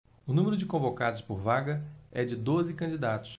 o número de convocados por vaga é de doze candidatos